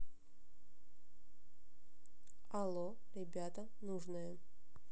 алло ребята нужное